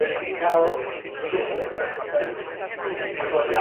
Dan ni di ca'l rhwng yy yy yy lloea